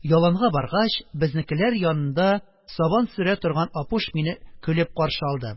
Яланга баргач, безнекеләр янында сабан сөрә торган Апуш мине көлеп каршы алды: